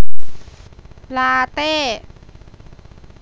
ลาเต้